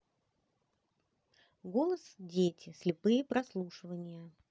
голос дети слепые прослушивания